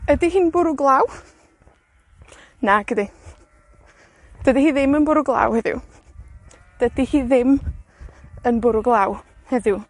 Ydi hi'n bwrw glaw? Nac ydi, dydi hi ddim yn bwrw glaw heddiw. Dydi hi ddim yn bwrw glaw heddiw.